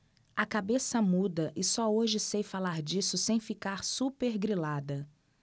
a cabeça muda e só hoje sei falar disso sem ficar supergrilada